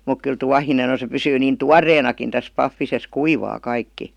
mutta kyllä tuohinen on se pysyy niin tuoreenakin tässä pahvisessa kuivaa kaikki